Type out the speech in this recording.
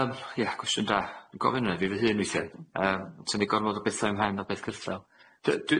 Yym ia cwestiwn da gofyn huna i fi fy hun weithiq yym tynnu gormod o betha i mhen a beth cyrthal.